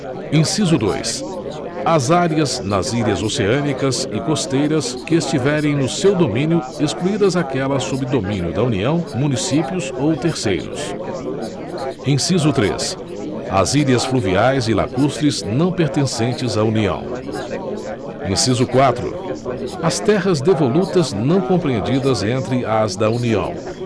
inciso dois as áreas nas ilhas oceânicas e costeiras que estiverem no seu domínio excluídas aquelas sob domínio da união municípios ou terceiros inciso três as ilhas fluviais e lacustres não pertencentes à união inciso quatro as terras devolutas não compreendidas entre as da união